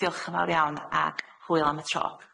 Diolch yn fawr iawn ag hwyl am y tro.